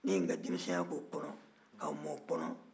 ne ye n ka denmisɛnya k'o kɔnɔ ka mɔ o kɔnɔ